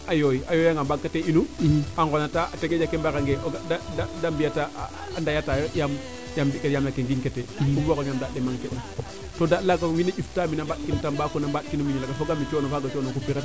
a yooy a yooya nga mbaang kate inu a ngona taa a tengeƴa ke mbara ngee o ga de de mbiiya taa a ndeya taa yo yaam yaam naak ke ngiñ ka tee ku waralun ndaand le manquer u to ndand laaga wiin we ƴuf ta mene a ndet bo Tambacounda a mbaaɗ kino mbiño lakas cono faaga coonu xupiran